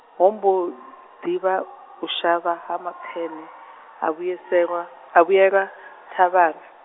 ho mbo, ḓi vha u shavha ha mapfeṋe, a vhuiselwa, a vhuelwa thavhani.